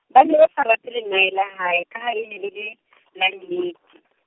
ba ne ba sa rate lengae la hae, ka ha e ne le le , la nnete.